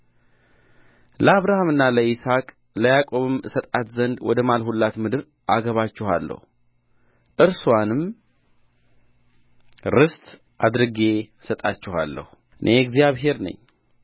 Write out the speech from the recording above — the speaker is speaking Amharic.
ለአብርሃምና ለይስሐቅ ለያዕቆብም እሰጣት ዘንድ ወደ ማልሁባት ምድር አገባችኋለሁ እርስዋንም ርስት አድርጌ እሰጣችኋለሁ እኔ እግዚአብሔር ነኝ